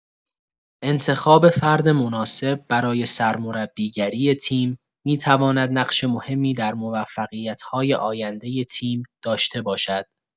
انتخاب فرد مناسب برای سرمربی‌گری تیم، می‌تواند نقش مهمی در موفقیت‌های آینده تیم داشته باشد.